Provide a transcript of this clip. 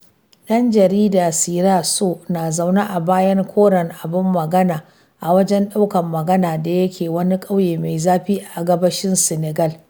Ɗan jarida Sira Sow na zaune a bayan koren abun magana a wajen daukar magana da yake wani ƙauye mai zafi a gabashin Senegal.